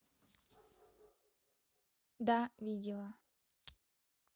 да видела